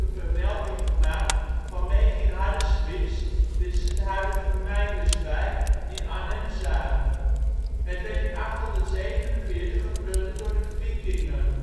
vermelding gemaakt van Meginhardeswich; dit is het huidige Meijnerswijk in Arnhem-Zuid. Het werd in 847 geplunderd door de Vikingen